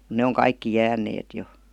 mutta ne on kaikki jääneet jo